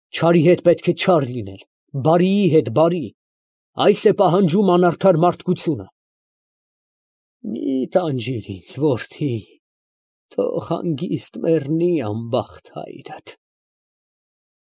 Չարի հետ պետք է չար լինել, բարիի հետ բարի. այս է պահանջում անարդար մարդկությունը…։ ֊ Մի՛ տանջիր ինձ, որդի. թո՛ղ հանգիստ մեռնի անբախտ հայրդ, ֊ ասաց ծերունին նվազած ձայնով։ ֊